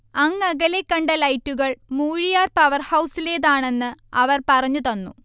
അങ്ങകലെ കണ്ട ലൈറ്റുകൾ മൂഴിയാർ പവർഹൗസിലേതാണെന്ന് അവർ പറഞ്ഞു തന്നു